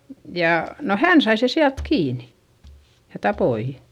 ja no hän sai sen sieltä kiinni ja tappoi